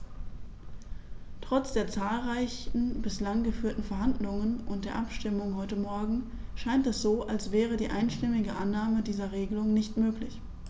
Trotz der zahlreichen bislang geführten Verhandlungen und der Abstimmung heute Morgen scheint es so, als wäre die einstimmige Annahme dieser Regelung nicht möglich.